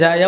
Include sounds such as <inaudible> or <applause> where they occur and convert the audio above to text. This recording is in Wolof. <hesitation>